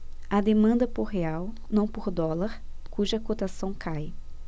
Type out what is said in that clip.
há demanda por real não por dólar cuja cotação cai